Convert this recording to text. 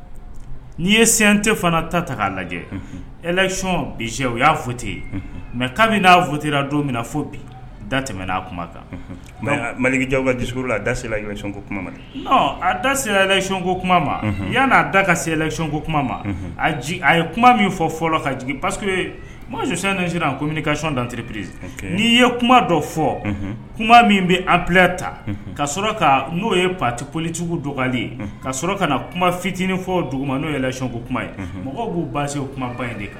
N'i yete fana ta ta k'a lajɛconɔn bi o y'a fo mɛ n'a don min na fo bi da tɛmɛ n'a kuma kan mali jaba la a dako kuma a dayiconko kuma ma yan n'a da ka secko kuma ma a ye kuma min fɔ fɔlɔ ka jigin pa makan sonc ko kac dantiriprizsi n'i ye kuma dɔ fɔ kuma min bɛ an bila ta ka sɔrɔ ka n'o ye pati kolijugu dɔgɔlen ka sɔrɔ ka na kuma fitinin fɔ o dugu n'o yɛlɛyko kuma ye mɔgɔ b'u ba se o kuma ba de kan